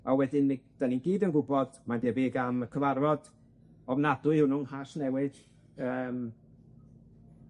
A wedyn ne- 'dan ni gyd yn gwbod, mae'n debyg am y cyfarfod ofnadwy wnnw'n Nghasnewydd, yym.